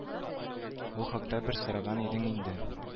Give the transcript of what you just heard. Ул хакта бер сораган идең инде